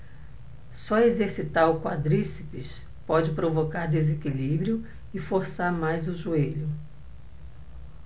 só exercitar o quadríceps pode provocar desequilíbrio e forçar mais o joelho